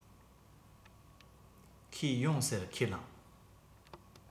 ཁོས ཡོང ཟེར ཁས བླངས